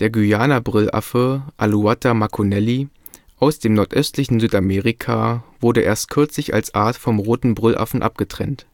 Guyana-Brüllaffe (Alouatta macconnelli) aus dem nordöstlichen Südamerika wurde erst kürzlich als Art vom Roten Brüllaffen abgetrennt